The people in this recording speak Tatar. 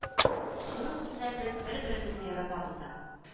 Шуның өстенә без бер-беребезне яратабыз да